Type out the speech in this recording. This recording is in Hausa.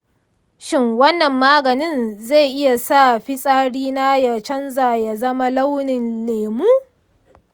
shin wannan maganin zai iya sa fitsarina ya canza ya zama launin lemu?